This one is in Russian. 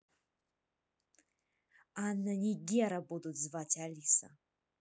anna нигера будут звать алиса